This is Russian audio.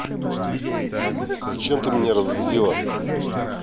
зачем ты меня разозлила